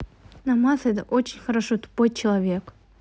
намаз это очень хорошо тупой человек